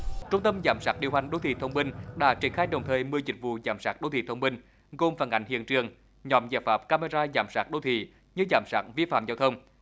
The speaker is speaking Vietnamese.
trung tâm giám sát điều hành đô thị thông minh đã triển khai đồng thời mười dịch vụ giám sát đô thị thông minh gồm phản ảnh hiện trường nhóm giải pháp camera giám sát đô thị như giám sát vi phạm giao thông